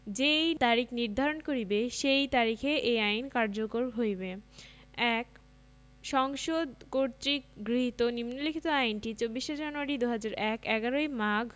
যেই তারিখ নির্ধারণ করিবে সেই তারিখে এই আইন কার্যকর হইবে ১. সংসদ কর্তৃক গৃহীত নিম্নলিখিত আইনটি ২৪শে জানুয়ারী ২০০১ ১১ই মাঘ